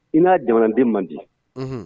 I n'a jamanaden man di